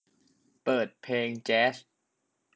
เปิดเพลงแจ๊ส